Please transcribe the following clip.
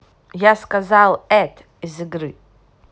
я сказал et из игры